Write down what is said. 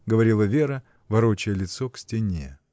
— говорила Вера, ворочая лицо к стене.